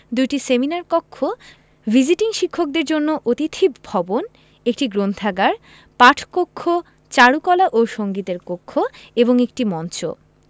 ২টি সেমিনার কক্ষ ভিজিটিং শিক্ষকদের জন্য অতিথি ভবন একটি গ্রন্থাগার পাঠকক্ষ চারুকলা ও সঙ্গীতের কক্ষ এবং একটি মঞ্চ